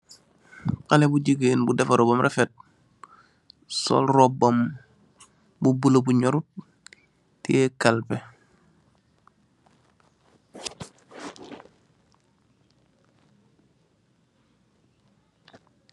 Khalle bu jigain bu dafaru bam rafet, sol robam, bu buleuh bu nyorut, tiyaih kalpeem.